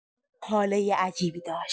هاله عجیبی داشت.